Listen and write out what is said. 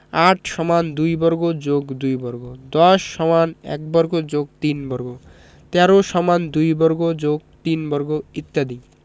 ৮ = ২ বর্গ + ২ বর্গ ১০ = ১ বর্গ + ৩ বর্গ ১৩ = ২ বর্গ + ৩ বর্গ ইত্যাদি